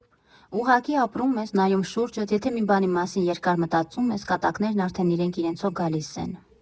Ուղղակի ապրում ես, նայում շուրջդ, եթե մի բանի մասին երկար մտածում ես, կատակներն արդեն իրենք իրենցով գալիս են։